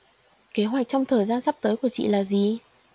kế hoạch trong thời gian sắp tới của chị là gì